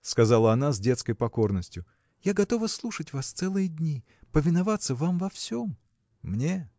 – сказала она с детской покорностью – я готова слушать вас целые дни повиноваться вам во всем. – Мне?